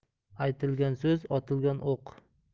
aytilgan so'z otilgan o'q